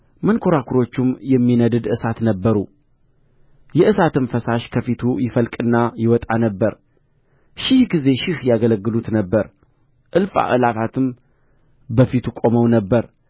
መንኰራኵሮቹም የሚነድድ እሳት ነበሩ የእሳትም ፈሳሽ ከፊቱ ይፈልቅና ይወጣ ነበር ሺህ ጊዜ ሺህ ያገለግሉት ነበር እልፍ አእላፋትም በፊቱ ቆመው ነበር